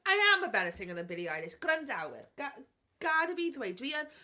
I am a better singer than Billie Eilish, gwrandawyr, ga- gad i fi ddweud, dwi yn...